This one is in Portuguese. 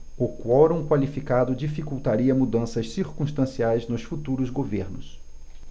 o quorum qualificado dificultaria mudanças circunstanciais nos futuros governos